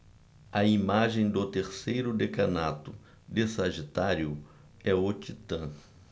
a imagem do terceiro decanato de sagitário é o titã